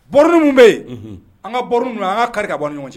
Bɔ ninnu bɛ yen an ka baro ninnu anan ka kari ka bɔ ɲɔgɔn cɛ